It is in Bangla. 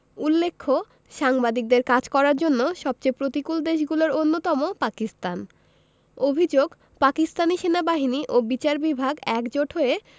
উল্লেখ্য সাংবাদিকদের কাজ করার জন্য সবচেয়ে প্রতিকূল দেশগুলোর অন্যতম পাকিস্তান অভিযোগ পাকিস্তানি সেনাবাহিনী ও বিচার বিভাগ একজোট হয়ে